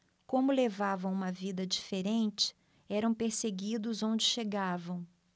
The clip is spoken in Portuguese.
como levavam uma vida diferente eram perseguidos onde chegavam